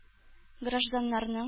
Гражданнарның